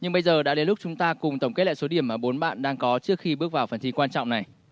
nhưng bây giờ đã đến lúc chúng ta cùng tổng kết lại số điểm mà bốn bạn đang có trước khi bước vào phần thi quan trọng này